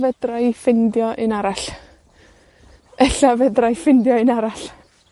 fedra i ffindio un arall. Ella fedrai ffindio un arall.